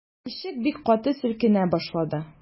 Ишек бик каты селкенә башлады.